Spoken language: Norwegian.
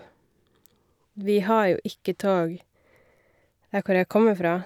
Vi har jo ikke tog der hvor jeg kommer fra.